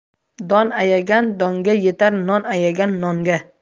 don ayagan donga yetar non ayagan nonga